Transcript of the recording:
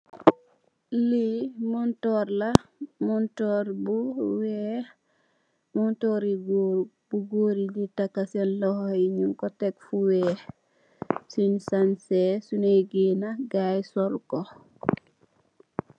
Li monturr la monturr bu weex momturri goor bu gori di taka sen loxo nyun ko tek fo weex sung sancex so nyui gena gai sol ko.